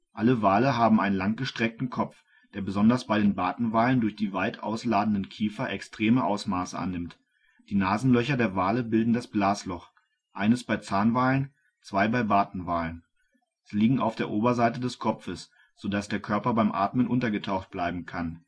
Alle Wale haben einen langgestreckten Kopf, der besonders bei den Bartenwalen durch die weit ausladenden Kiefer extreme Ausmaße annimmt. Die Nasenlöcher der Wale bilden das Blasloch, eines bei Zahnwalen, zwei bei Bartenwalen. Sie liegen auf der Oberseite des Kopfes, so dass der Körper beim Atmen untergetaucht bleiben kann